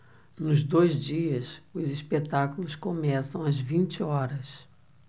nos dois dias os espetáculos começam às vinte horas